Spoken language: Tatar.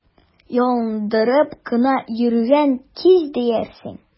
Ялындырып кына йөргән кыз диярсең!